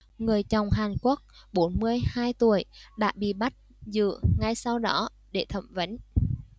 người chồng hàn quốc bốn mươi hai tuổi đã bị bắt giữ ngay sau đó để thẩm vấn